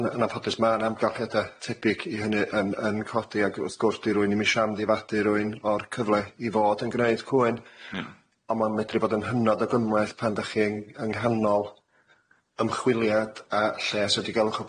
ma na yn yn anffodus iawn ma na amgylchiada yn codi a di rhywun ddim isio amddifadu rhywun o'r cyfle i fod yn neud cwyn ond man medru bod yn hynnod o gymleth pan da chi yn nghannol ymchwiliad a lles a diogelwch y